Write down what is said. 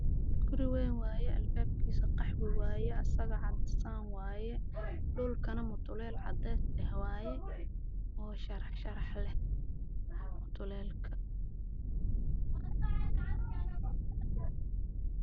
Guri weyn waayo albaab ka qaxwi waayo